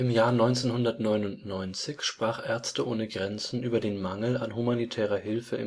Jahr 1999 sprach MSF über den Mangel an humanitärer Hilfe